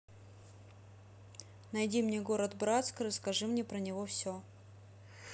найди мне город братск и расскажи мне про него все